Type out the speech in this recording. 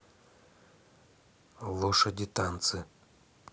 лошади танцы